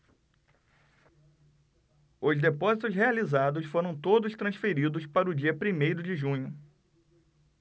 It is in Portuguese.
os depósitos realizados foram todos transferidos para o dia primeiro de junho